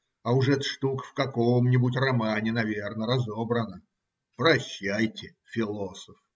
а уж эта штука в каком-нибудь романе, наверно, разобрана. Прощайте, философ!